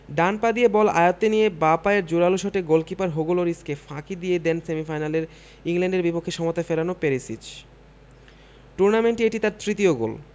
ডান পা দিয়ে বল আয়ত্তে নিয়ে বাঁ পায়ের জোরালো শটে গোলকিপার হুগো লরিসকে ফাঁকি দেন সেমিফাইনালে ইংল্যান্ডের বিপক্ষেও সমতা ফেরানো পেরিসিচ টুর্নামেন্টে এটি তার তৃতীয় গোল